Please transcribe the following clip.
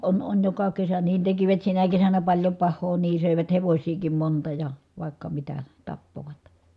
on on joka kesä niin tekivät sinä kesänä paljon pahaa niin söivät hevosiakin monta ja vaikka mitä tappoivat